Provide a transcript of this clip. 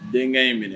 Denkɛ in minɛ